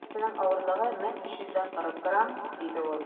- менә берсенең авырлыгы 1340 грамм, - диде ул.